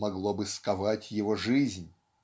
могло бы сковать его жизнь".